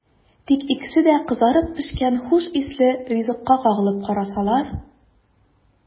Тик икесе дә кызарып пешкән хуш исле ризыкка кагылып карасалар!